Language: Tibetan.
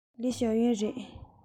ལིའི ཞའོ ཡན རེད